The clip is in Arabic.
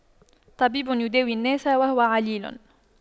طبيب يداوي الناس وهو عليل